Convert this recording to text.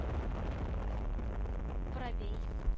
Воробей